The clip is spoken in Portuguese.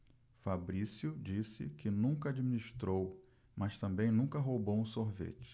fabrício disse que nunca administrou mas também nunca roubou um sorvete